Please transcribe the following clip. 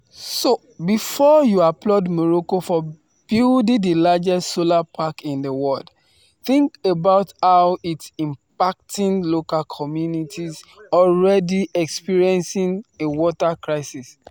So before you applaud Morocco for building the largest solar park in the world, think about how it’s impacting local communities already experiencing a water crisis.